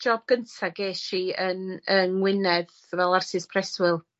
job gynta gesh i yn yy Ngwynedd fel artist preswyl